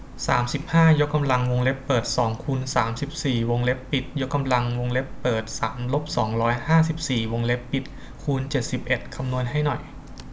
สามสิบห้ายกกำลังวงเล็บเปิดสองคูณสามสิบสี่วงเล็บปิดยกกำลังวงเล็บเปิดสามลบสองร้อยห้าสิบสี่วงเล็บปิดคูณเจ็ดสิบเอ็ดคำนวณให้หน่อย